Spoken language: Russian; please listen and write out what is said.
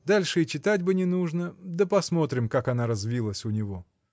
Дальше и читать бы не нужно, да посмотрим, как она развилась у него.